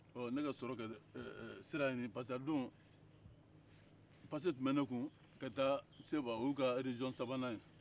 ee ne ka sɔrɔ ka sira ɲinin paresek'a don pase tun bɛ n ne kun ka taa seba o y'u ka marabolo sabanan ye